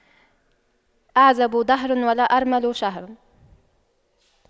أعزب دهر ولا أرمل شهر